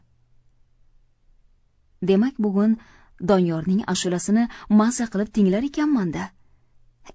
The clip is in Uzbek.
demak bugun doniyorning ashulasini maza qilib tinglar ekanman da